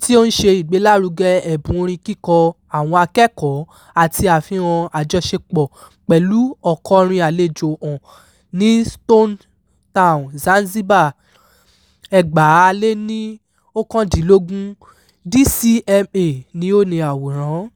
tí ó ń ṣe ìgbélárugẹ ẹ̀bùn orin kíkọ àwọn akẹ́kọ̀ọ́ àti àfihàn àjọṣepọ̀ pẹ̀lú ọ̀kọrin àlejò hàn ní, Stone Town, Zanzibar, 2019. DCMA ni ó ni àwòrán.